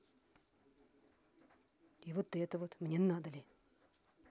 и вот это вот мне надо ли